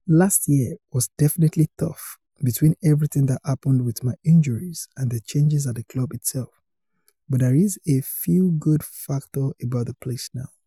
Last year was definitely tough, between everything that happened with my injuries and the changes at the club itself but there's a feelgood factor about the place now.